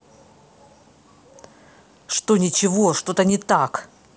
что ничего что то не так